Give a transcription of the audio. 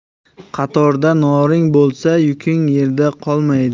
qatorda noring bo'lsa yuking yerda qolmaydi